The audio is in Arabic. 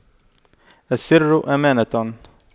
السر أمانة